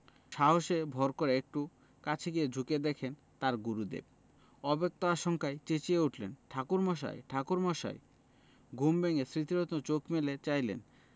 সাহসে ভর করে একটু কাছে গিয়ে ঝুঁকে দেখেন তাঁর গুরুদেব অব্যক্ত আশঙ্কায় চেঁচিয়ে উঠলেন ঠাকুরমশাই ঠাকুরমশাই ঘুম ভেঙ্গে স্মৃতিরত্ন চোখ মেলে চাইলেন